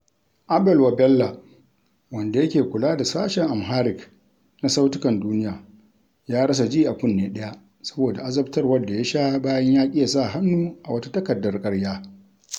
Abel Wabella, wanda yake kula da sashen Amharic na Sautukan Duniya, ya rasa ji a kunne ɗaya saboda azabtarwar da ya sha bayan ya ƙi ya sa hannu a wata takardar ƙarya.